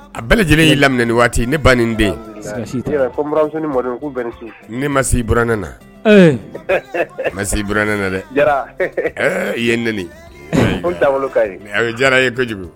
A bɛɛ lajɛlen y'i lamini ni waati ne ba nin den ne ma si b ne na ne ma bɛ na dɛ i ye neni a jara ye kojugu